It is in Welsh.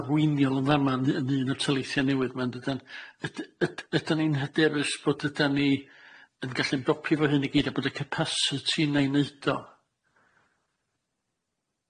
arweiniol yn fama'n n- yn un o'r taleithiau newydd ma' yn dydan yd- yd- ydyn ni'n hyderus bod ydan ni yn gallu'n ymdopi fo hyn i gyd a bod y capasiti yna i neud o?